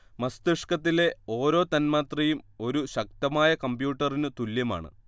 മസ്തിഷ്കത്തിലെ ഓരോ തന്മാത്രയും ഒരു ശക്തമായ കമ്പ്യൂട്ടറിനു തുല്യമാണ്